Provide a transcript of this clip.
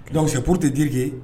Gasepo tɛ terikɛke